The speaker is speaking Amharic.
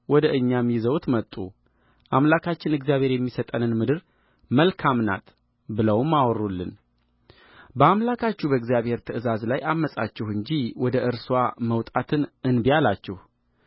ወደ እኛም ይዘውት መጡ አምላካችን እግዚአብሔር የሚሰጠን ምድር መልካም ናት ብለውም አወሩልንበአምላካችሁ በእግዚአብሔር ትእዛዝ ላይ ዓመፃችሁ እንጂ ወደ እርስዋ መውጣትን እንቢ አላችሁ